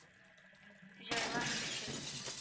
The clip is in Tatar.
Җайлашучы